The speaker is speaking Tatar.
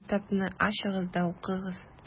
Китапны ачыгыз да укыгыз: